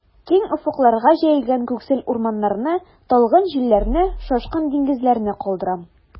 Киң офыкларга җәелгән күксел урманнарны, талгын җилләрне, шашкын диңгезләрне калдырам.